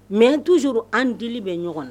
Mais toujours an ni deli bɛ ɲɔgɔn na.